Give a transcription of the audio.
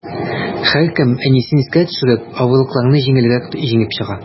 Һәркем, әнисен искә төшереп, авырлыкларны җиңелрәк җиңеп чыга.